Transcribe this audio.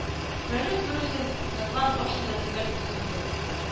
Вәлүк берүзе ныклап баш төзәтергә тотынды